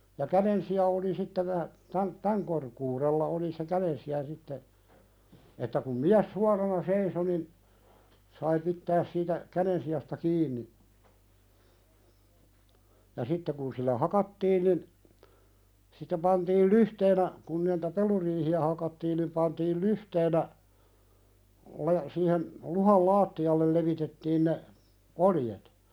ja kädensija oli sitten -- tämän korkeudella oli se kädensija sitten että kun mies suorana seisoi niin sai pitää siitä kädensijasta kiinni ja sitten kun sillä hakattiin niin sitten pantiin lyhteenä kun niitä peluriihiä hakattiin niin pantiin lyhteenä ne siihen luhdan lattialle levitettiin ne oljet